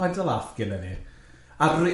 Faint o laugh gennyn ni?